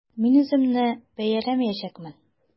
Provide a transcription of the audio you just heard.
Мин үземне бәяләмәячәкмен.